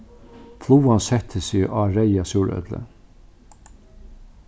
flugan setti seg á reyða súreplið